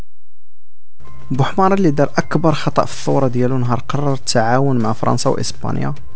بو حمار اللي يقدر اكبر خطا في الصوره دي لونها قررت تعاون مع فرنسا واسبانيا